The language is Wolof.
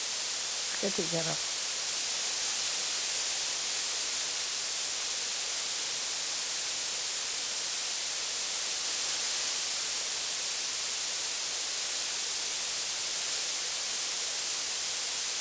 Paketi garab.